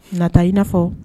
Na taa i na fɔ